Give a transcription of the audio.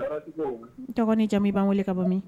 Dɔgɔnin jamu b'an wele ka bɔ min